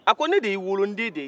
a ko ne de y'e wolo n den de ye e ye